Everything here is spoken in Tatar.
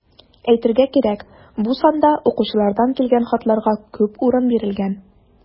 Әйтергә кирәк, бу санда укучылардан килгән хатларга күп урын бирелгән.